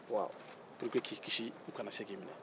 wa pour que k'i kisi o kana se k'i minɛ